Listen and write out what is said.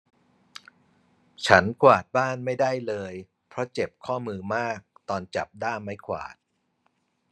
ฉันกวาดบ้านไม่ได้เลยเพราะเจ็บข้อมือมากตอนจับด้ามไม้กวาด